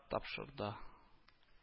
Тапшырды